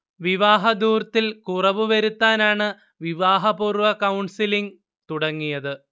വിവാഹധൂർത്തിൽ കുറവ് വരുത്താനാണ് വിവാഹപൂർവ്വ കൗൺസിലിങ് തുടങ്ങിയത്